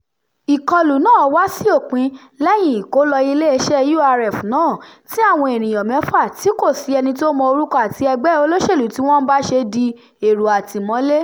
Ìkọlù náà wá sí òpin lẹ́yìn-in ìkólọ iléeṣẹ́ URF náà tí àwọn ènìyàn mẹ́fà tí kò sí ẹni tó mọ orúkọ àti ẹgbẹ́ olóṣèlú tí wọ́n ń bá ṣe di èrò àtìmọ́lé.